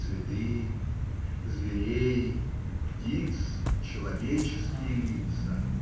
цветы, зверей, птиц, человеческие лица.